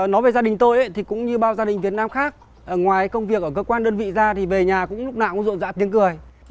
nói về gia đình tôi ý thì cũng như bao gia đình việt nam khác ờ ngoài công việc ở cơ quan đơn vị ra thì về nhà cũng lúc nào cũng rộn rã tiếng cười